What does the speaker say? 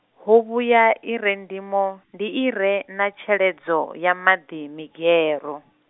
hu vhuya, i re ndimo, ndi i re, na tsheledzo, ya maḓi, migero.